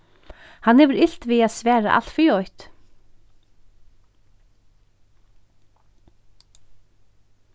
hann hevur ilt við at svara alt fyri eitt